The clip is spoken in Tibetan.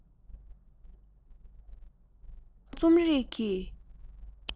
ཁྱོད རང རྩོམ རིག གི